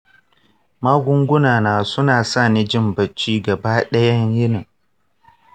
magunguna na suna sani jin bacci gaba ɗayan yini.